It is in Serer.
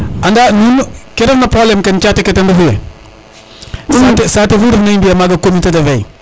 anda nuun ke refna probleme ke cate ke ten refu ye saate fu refna i mbiya maga comité de veille